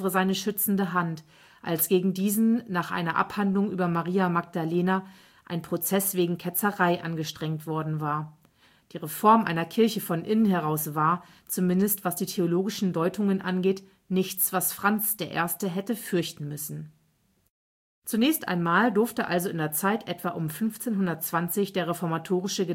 seine schützende Hand, als gegen diesen nach einer Abhandlung über Maria Magdalena ein Prozess wegen Ketzerei angestrengt worden war. Die Reform einer Kirche von innen heraus war, zumindest was die theologischen Deutungen angeht, nichts, was Franz I. hätte fürchten müssen. Zunächst einmal durfte also in der Zeit etwa um 1520 der reformatorische